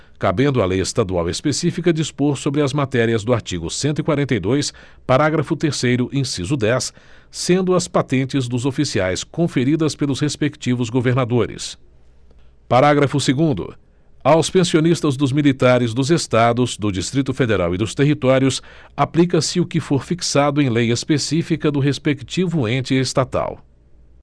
cabendo a lei estadual específica dispor sobre as matérias do artigo cento e quarenta e dois parágrafo terceiro inciso dez sendo as patentes dos oficiais conferidas pelos respectivos governadores parágrafo segundo aos pensionistas dos militares dos estados do distrito federal e dos territórios aplica se o que for fixado em lei específica do respectivo ente estatal